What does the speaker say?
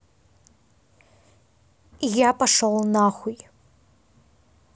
я пошел нахуй